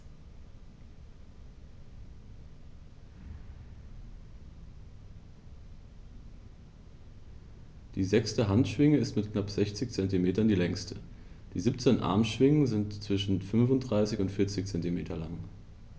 Die sechste Handschwinge ist mit knapp 60 cm die längste. Die 17 Armschwingen sind zwischen 35 und 40 cm lang.